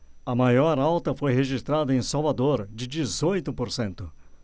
a maior alta foi registrada em salvador de dezoito por cento